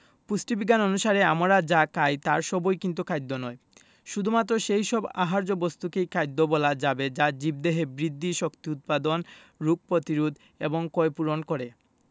পুষ্টিবিজ্ঞান অনুসারে আমরা যা খাই তার সবই কিন্তু খাদ্য নয় শুধুমাত্র সেই সব আহার্য বস্তুকেই খাদ্য বলা যাবে যা জীবদেহে বৃদ্ধি শক্তি উৎপাদন রোগ প্রতিরোধ এবং ক্ষয়পূরণ করে